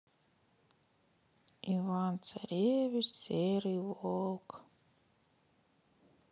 иван царевич серый волк